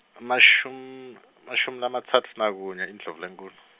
mashum- emashumi lamatsatfu nakunye iNdlovulenkhulu.